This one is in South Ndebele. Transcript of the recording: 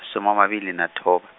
-sumi amabili nathoba.